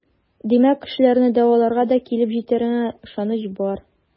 Димәк, кешеләрне дәвалауга да килеп җитәренә ышаныч бар.